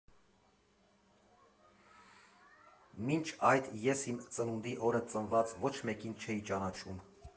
Մինչ այդ ես իմ ծնունդի օրը ծնված ոչ մեկին չէի ճանաչում։